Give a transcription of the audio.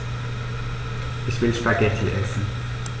Ich will Spaghetti essen.